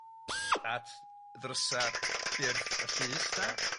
at ddrysa byrth y llys de. Ia.